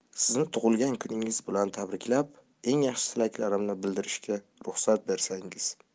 sizni tug'ilgan kuningiz bilan tabriklab eng yaxshi tilaklarimni bildirishga ruxsat bersangiz